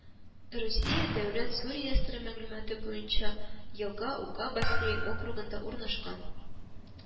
Русия дәүләт су реестры мәгълүматы буенча елга Ука бассейн округында урнашкан